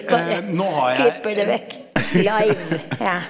bare klipper det vekk live ja.